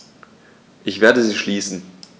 Ich werde sie schließen.